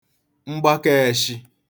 mgbakā ēshī